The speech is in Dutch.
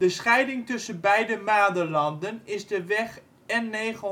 scheiding tussen beide madelanden is de weg N996